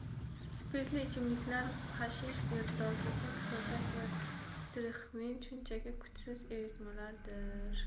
spirtli ichimliklar gashish gidrosiyan kislotasi va strixnin shunchaki kuchsiz eritmalardir